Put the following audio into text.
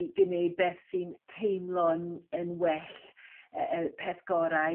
i g'neud beth sy'n teimlo'n yn wel peth gorau